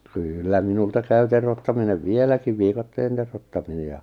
kyllä minulta käy teroittaminen vieläkin viikatteen teroittaminen ja